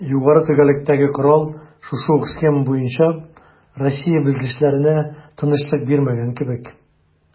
Югары төгәллектәге корал шушы ук схема буенча Россия белгечләренә тынычлык бирмәгән кебек: